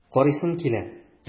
Карыйсым килә!